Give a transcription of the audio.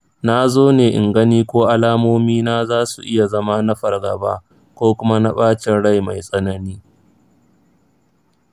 na zo ne in gani ko alamomina za su iya zama na fargaba ko kuma na bacin rai mai tsanani